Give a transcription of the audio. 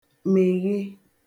mèghe